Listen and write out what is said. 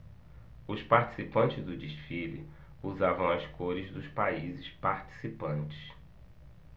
os participantes do desfile usavam as cores dos países participantes